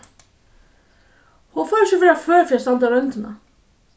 hon fór ikki at vera før fyri at standa royndina